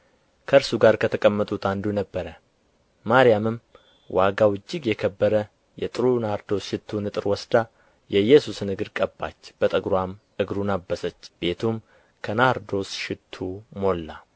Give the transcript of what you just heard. ከእርሱ ጋር ከተቀመጡት አንዱ ነበረ ማርያምም ዋጋው እጅግ የከበረ የጥሩ ናርዶስ ሽቱ ንጥር ወስዳ የኢየሱስን እግር ቀባች በጠጕርዋም እግሩን አበሰች ቤቱም ከናርዶስ ሽቱ ሞላ